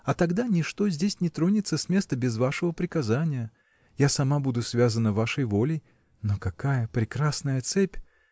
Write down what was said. а тогда ничто здесь не тронется с места без вашего приказания я сама буду связана вашей волей но какая прекрасная цепь!